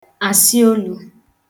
asịolū